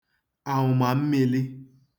àụ̀màmmīlī